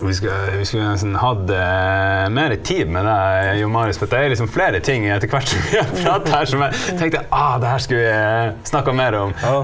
vi vi skulle nesten hatt mere tid med deg Jon Marius for at det er jo liksom flere ting etter hvert som vi har prata her som jeg tenkte å det her skulle vi snakka mer om.